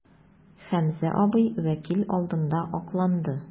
Хәмзә абый вәкил алдында акланды.